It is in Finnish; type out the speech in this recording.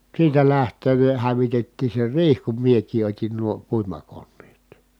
siitä lähtien ne hävitettiin se riihi kun minäkin otin nuo puimakoneet